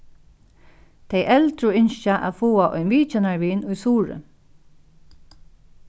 tey eldru ynskja at fáa ein vitjanarvin í suðuroy